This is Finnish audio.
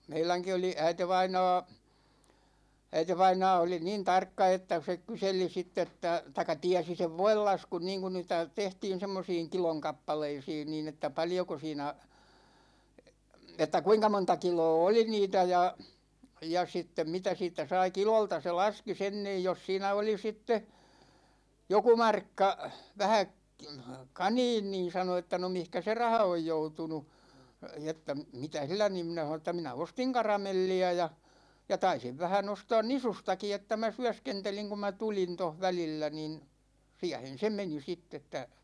meidänkin oli äitivainaa äitivainaa oli niin tarkka että se kyseli sitten että tai tiesi sen voinlaskun niin kun niitä tehtiin semmoisiin kilon kappaleisiin niin että paljonko siinä että kuinka monta kiloa oli niitä ja ja sitten mitä siitä sai kilolta se laski sen niin jos siinä oli sitten joku markka vähän - kaniin niin sanoi että no mihinkä se raha on joutunut että mitä sillä niin minä sanoin että minä ostin karamelliä ja ja taisin vähän ostaa nisustakin että minä syöskentelin kun minä tulin tuossa välillä niin siihen se meni sitten että